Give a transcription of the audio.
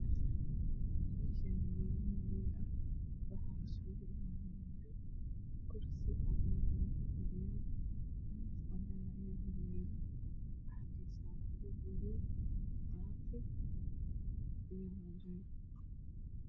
Meeshaan waa meel hool ah waxaa iskugu imaaday rag kursi cadaan ah ayay ku fadhiyaan miis cadaan ah ayaa horyaala waxaa dulsaaran buug madow, caafi iyo muubeel.